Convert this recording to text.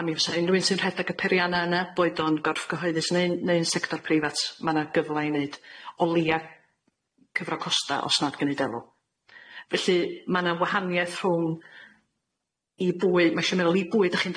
a mi fysa i'n rywun sy'n rhedag y perianna yna boed o'n gorff gyhoeddus neu'n neu'n sector preifat ma' na gyfla i neud o leia cyfro costa os nad gneud elw felly ma' na wahanieth rhwng i bwy- ma' isio meddwl i bwy dych chi'n